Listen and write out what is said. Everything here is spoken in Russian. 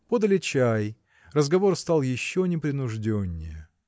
Подали чай; разговор стал еще непринужденнее.